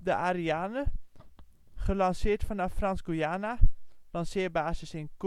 Ariane: gelanceerd vanaf Frans-Guyana (lanceerbasis in